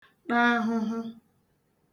ṭa ahụhụ